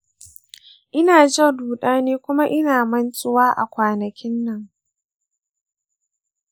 ina jin rudani kuma ina mantuwa a kwanakin nan.